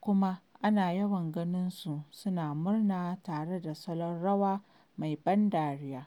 kuma ana yawan ganinsu suna murna tare da salon rawa mai ban dariya.